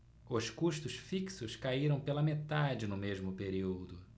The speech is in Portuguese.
os custos fixos caíram pela metade no mesmo período